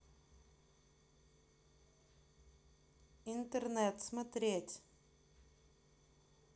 интернет смотреть